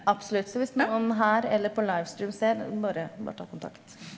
absolutt, så hvis noen her eller på livestream ser, bare bare ta kontakt.